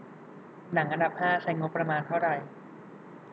หนังอันดับห้าใช้งบประมาณเท่าไหร่